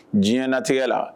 Diɲɛ natigɛ la